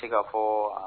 A se ka fɔ